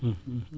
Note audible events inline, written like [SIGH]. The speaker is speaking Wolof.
[HESITATION] [HESITATION]